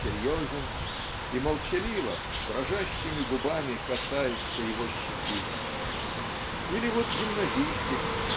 серьезен и молчаливо дрожащими губами касается его щеки. Или вот гимназистик